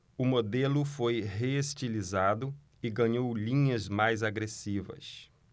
o modelo foi reestilizado e ganhou linhas mais agressivas